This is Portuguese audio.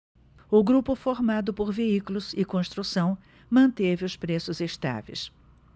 o grupo formado por veículos e construção manteve os preços estáveis